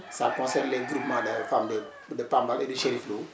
àa concerne les groupements de femmes de de Pambal et de Cherif Lo